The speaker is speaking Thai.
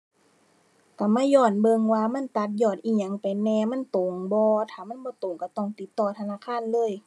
ก็มาย้อนเบิ่งว่ามันตัดยอดอิหยังไปแหน่ มันตรงบ่ ถ้ามันบ่ตรงก็ต้องติดต่อธนาคารเลย